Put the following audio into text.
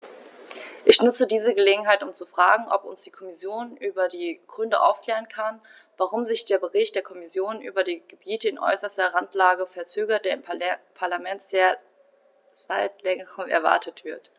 Ich nutze diese Gelegenheit, um zu fragen, ob uns die Kommission über die Gründe aufklären kann, warum sich der Bericht der Kommission über die Gebiete in äußerster Randlage verzögert, der im Parlament seit längerem erwartet wird.